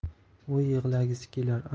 u yig'lagisi kelar